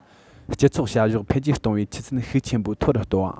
སྤྱི ཚོགས བྱ གཞག འཕེལ རྒྱས གཏོང བའི ཆུ ཚད ཤུགས ཆེན པོས མཐོ རུ གཏོང བ